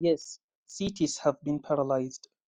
Yet, cities have been paralyzed.